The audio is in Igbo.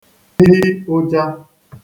hi ụja